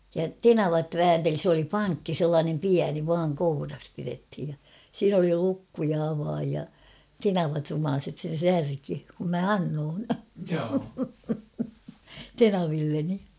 ja tenavat väänteli se oli pankki sellainen pieni vain kourassa pidettiin ja siinä oli lukko ja avain ja tenavat rumaiset sen särki kun minä annoin tenavilleni